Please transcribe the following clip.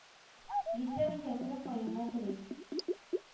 Гитлерны кәкре каенга тери.